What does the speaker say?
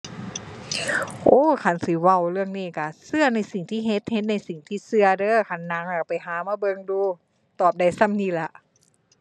โอ้ คันสิเว้าเรื่องนี้ก็ ก็ในสิ่งที่เฮ็ด เฮ็ดในสิ่งที่ก็เด้อ คันหนังอะไปหามาเบิ่งดู ตอบได้ส่ำนี้ล่ะ